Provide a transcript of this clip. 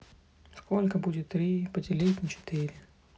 сколько будет три поделить на четыре